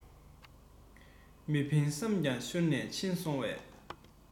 མི འཕེན བསམ ཀྱང ཤོར ནས ཕྱིན སོང བས